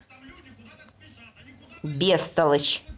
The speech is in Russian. бестолочь